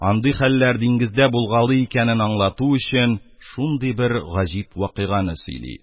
Андый хәлләр диңгездә булгалый икәнен аңлату өчен, шундый бер гаҗиб вакыйганы сөйли: